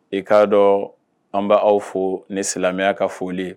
I k'a dɔn an b bɛ aw fo ni silamɛya ka foli